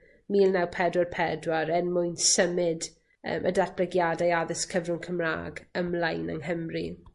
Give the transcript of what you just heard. mil naw pedwar pedwar er mwyn symud yym y datblygiadau addysg cyfrwng Cymra'g ymlaen yng Nghymru.